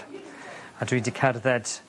A dwi 'di cerdded